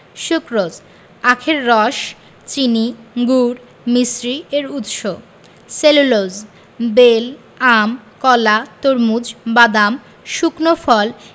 sucrose আখের রস চিনি গুড় মিছরি এর উৎস সেলুলোজ বেল আম কলা তরমুজ বাদাম শুকনো ফল